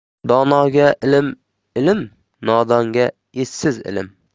donoga ilm ilm nodonga essiz ilm